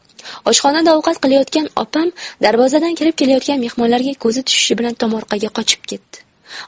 oshxonada ovqat qilayotgan opam darvozadan kirib kelayotgan mehmonlarga ko'zi tushishi bilan tomorqaga qochib ketdi